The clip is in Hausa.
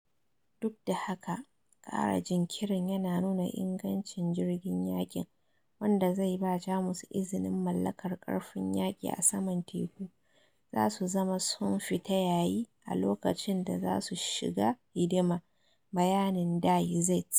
Duk da haka, kara jinkirin yana nuna ingancin jirgin yaƙin - wanda zai ba Jamus izinin malakar karfin yaki a saman teku - zasu zama sun fita yayi a lokacin da za su shiga hidima, bayanin Die Zeit.